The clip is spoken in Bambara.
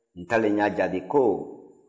ntalen y'a jaabi ko